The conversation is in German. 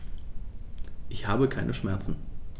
Ich habe keine Schmerzen.